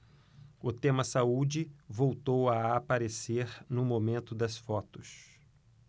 o tema saúde voltou a aparecer no momento das fotos